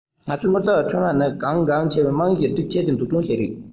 ང ཚོས དངུལ རྩའི ཁྲོམ ར ནི གལ འགངས ཆེ བའི རྨང གཞིའི སྒྲིག ཆས ཀྱི འཛུགས སྐྲུན ཞིག རེད